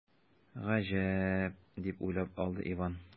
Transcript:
“гаҗәп”, дип уйлап алды иван.